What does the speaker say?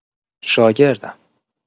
شاگردم